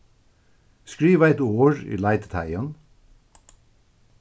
skriva eitt orð í leititeigin